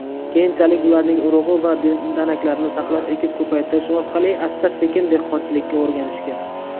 keyinchalik ularning urug' va danaklarini saqlab ekib ko'paytirish orqali asta sekin dehqonchilikka o'rganishgan